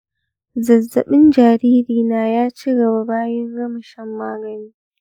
zazzaɓin jariri na ya cigaba bayan gama shan magani.